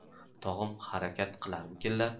tog'am harakat qilarmikanlar